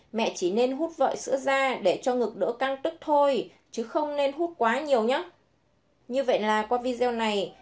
mẹ chỉ nên hút vợi sữa ra để cho ngực đỡ căng tức thôi chứ không nên hút quá nhiều nhé như vậy là qua video này